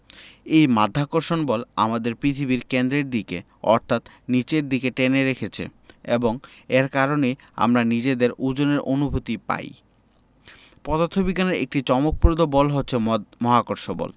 এই মাধ্যাকর্ষণ বল আমাদের পৃথিবীর কেন্দ্রের দিকে অর্থাৎ নিচের দিকে টেনে রেখেছে এবং এর কারণেই আমরা নিজেদের ওজনের অনুভূতি পাই পদার্থবিজ্ঞানের একটি চমকপ্রদ বল হচ্ছে মহাকর্ষ বল